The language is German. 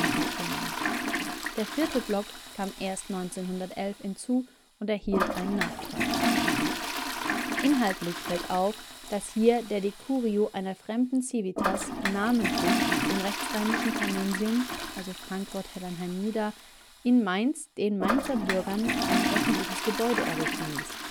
aufgenommen. Der 4. Block kam erst 1911 hinzu und erhielt einen Nachtrag. Inhaltlich fällt auf, dass hier der decurio einer fremden civitas, namentlich dem rechtsrheinischen Taunensium (Frankfurt-Heddernheim-Nida) in Mainz den Mainzer Bürgern ein öffentliches Gebäude errichten ließ